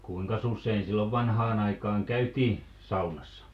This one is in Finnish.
kuinkas usein silloin vanhaan aikaan käytiin saunassa